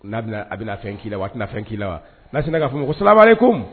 N'a a bɛna fɛn k'i la wa a tɛna fɛn' la wa na' k'a fɔ ma ko sa ko